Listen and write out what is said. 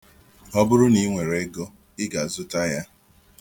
Ọ bụrụ na i nwere ego, ị ga-azụta ya